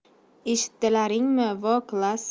eshitdilaringmi vo klass